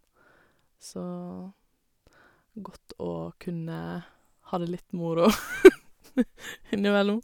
Så godt å kunne ha det litt moro innimellom.